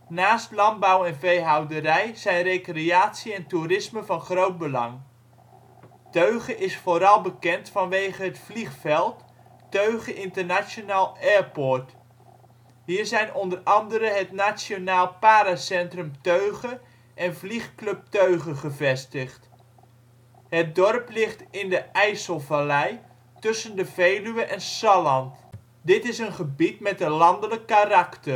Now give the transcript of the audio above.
Naast landbouw en veehouderij zijn recreatie en toerisme van groot belang. Teuge is vooral bekend vanwege het vliegveld, Teuge International Airport. Hier zijn onder andere het Nationaal ParaCentrum Teuge en Vliegclub Teuge gevestigd. Het dorp ligt in de IJsselvallei, tussen de Veluwe en Salland. Dit is een gebied met een landelijk karakter